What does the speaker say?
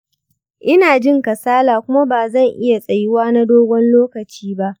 ina jin kasala kuma ba zan iya tsayuwa na dogon lokaci ba